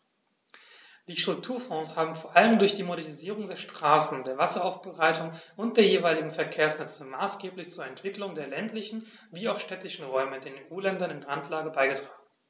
Die Strukturfonds haben vor allem durch die Modernisierung der Straßen, der Wasseraufbereitung und der jeweiligen Verkehrsnetze maßgeblich zur Entwicklung der ländlichen wie auch städtischen Räume in den EU-Ländern in Randlage beigetragen.